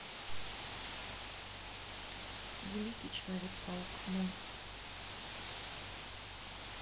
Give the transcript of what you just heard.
великий человек паук мульт